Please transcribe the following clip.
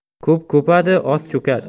ko'p ko'padi oz cho'kadi